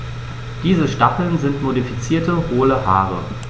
Diese Stacheln sind modifizierte, hohle Haare.